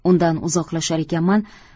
undan uzoqlashar ekanman